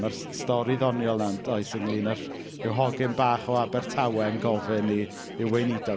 Mae'r s- stori ddoniol 'na yndoes ynglŷn â'r, rhyw hogyn bach o Abertawe yn gofyn i i'w weinidog,